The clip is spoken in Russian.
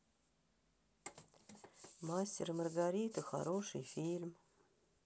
мастер и маргарита хороший фильм